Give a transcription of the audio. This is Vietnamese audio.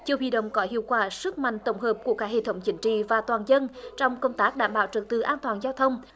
chưa huy động có hiệu quả sức mạnh tổng hợp của cả hệ thống chính trị và toàn dân trong công tác đảm bảo trật tự an toàn giao thông